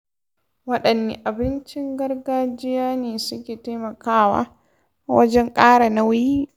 wadanne abincin gargajiya ne suke taimaka wa wajen ƙara nauyi?